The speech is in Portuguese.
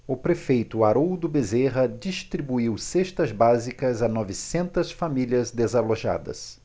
o prefeito haroldo bezerra distribuiu cestas básicas a novecentas famílias desalojadas